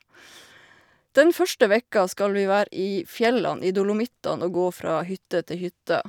Den første vekka skal vi være i fjellene, i Dolomittene, og gå fra hytte til hytte.